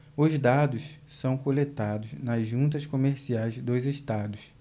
os dados são coletados nas juntas comerciais dos estados